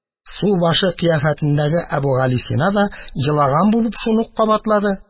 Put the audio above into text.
Субашы кыяфәтендәге Әбүгалисина да, елаган булып, шуны ук кабатлады.